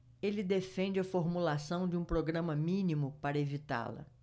ele defende a formulação de um programa mínimo para evitá-la